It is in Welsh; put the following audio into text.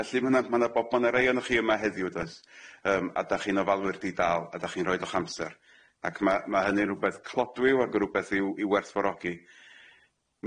Felly ma' 'na ma' 'na bo- ma' 'na rei ohonoch chi yma heddiw does yym a dach chi'n ofalwyr di-dal a dach chi'n roid o'ch amser ac ma' ma' hynny'n rwbeth clodwiw ag rwbeth i'w i'w werthfawrogi.